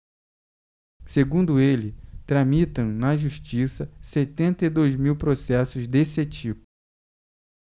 segundo ele tramitam na justiça setenta e dois mil processos desse tipo